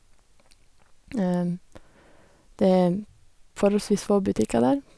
Det er forholdsvis få butikker der.